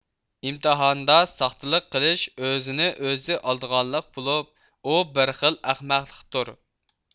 ئىمتىھاندا ساختىلىق قىلىش ئۆزىنى ئۆزى ئالدىغانلىق بولۇپ ئۇ بىر خىل ئەخمەقلىقتۇر